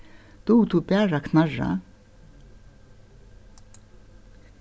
dugir tú bara at knarra